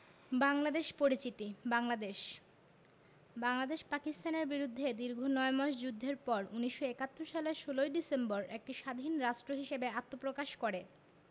বাংলাদেশ পরিচিতি বাংলাদেশ বাংলাদেশ পাকিস্তানের বিরুদ্ধে দীর্ঘ নয় মাস যুদ্ধের পর ১৯৭১ সালের ১৬ ডিসেম্বর একটি স্বাধীন রাষ্ট্র হিসেবে আত্মপ্রকাশ করে